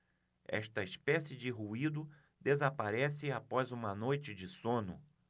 esta espécie de ruído desaparece após uma noite de sono